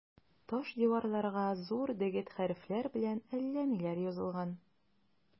Таш диварларга зур дегет хәрефләр белән әллә ниләр язылган.